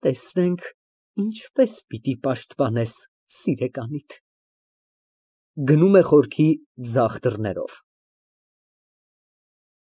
Տեսնենք, ինչպես պիտի պաշտպանես սիրեկանիդ։ (Գնում է խորքի ձախ դռներով)։